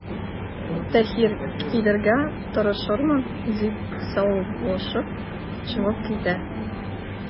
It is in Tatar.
Таһир:– Килергә тырышырмын,– дип, саубуллашып чыгып китә.